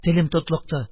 Телем тотлыкты,